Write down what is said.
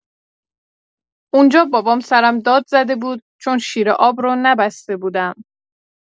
اونجا بابام سرم داد زده بود چون شیر آب رو نبسته بودم.